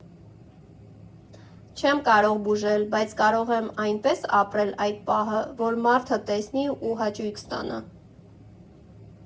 Չեմ կարող բուժել, բայց կարող եմ այնպես ապրել այդ պահը, որ մարդը տեսնի ու հաճույք ստանա։